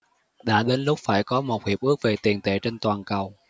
đã đến lúc phải có một hiệp ước về tiền tệ trên toàn cầu